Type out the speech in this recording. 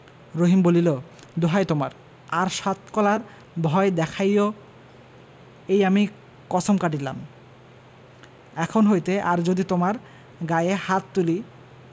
রহিম বলিল দোহাই তোমার আর সাত কলার ভয় দেখাইও এই আমি কছম কাটিলাম এখন হইতে আর যদি তোমার গায়ে হাত তুলি